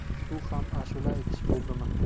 shu ham ashula aytish bo'ldimi